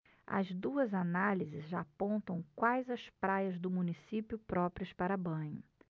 as duas análises apontam quais as praias do município próprias para banho